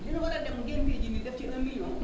li ñu war a dem ngéntee ji nii def ci 10000000